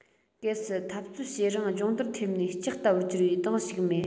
གལ སྲིད འཐབ རྩོད བྱེད རིང སྦྱོང བརྡར ཐེབས ནས ལྕགས ལྟ བུར གྱུར པའི ཏང ཞིག མེད